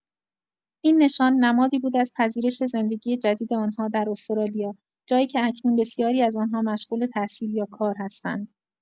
این نشان، نمادی بود از پذیرش زندگی جدید آن‌ها در استرالیا، جایی که اکنون بسیاری از آنها مشغول تحصیل یا کار هستند.